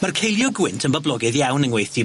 Ma'r ceiliog gwynt yn boblogaidd iawn yng ngweithdy...